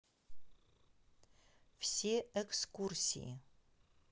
все экскурсии